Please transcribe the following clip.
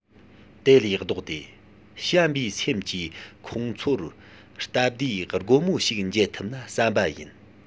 དེ ལས ལྡོག སྟེ བྱམས པའི སེམས ཀྱིས ཁོང ཚོར སྟབས བདེའི སྒོ མོ ཞིག འབྱེད ཐུབ ན བསམ པ ཡིན